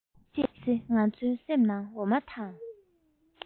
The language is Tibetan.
བཤད ཚེ ང ཚོའི སེམས ནང འོ མ དང